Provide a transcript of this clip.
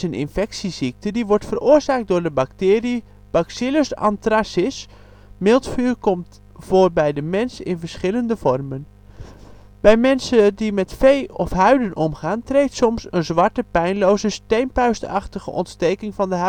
infectieziekte, die wordt veroorzaakt door de bacterie Bacillus anthracis. Miltvuur komt bij de mens in verschillende vormen voor. Bij mensen die met vee of huiden omgaan treedt soms een zwarte pijnloze steenpuist-achtige ontsteking van de